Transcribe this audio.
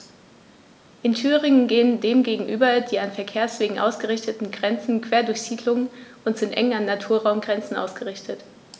In Thüringen gehen dem gegenüber die an Verkehrswegen ausgerichteten Grenzen quer durch Siedlungen und sind eng an Naturraumgrenzen ausgerichtet.